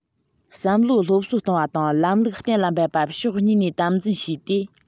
བསམ བློའི སློབ གསོ གཏོང བ དང ལམ ལུགས གཏན ལ འབེབས པ ཕྱོགས གཉིས ནས དམ འཛིན བྱས ཏེ